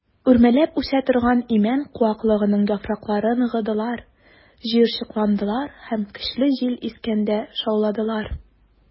Үрмәләп үсә торган имән куаклыгының яфраклары ныгыдылар, җыерчыкландылар һәм көчле җил искәндә шауладылар.